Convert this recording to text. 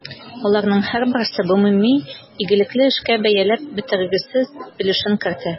Аларның һәрберсе гомуми игелекле эшкә бәяләп бетергесез өлешен кертә.